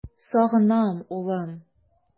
Сагынам, улым!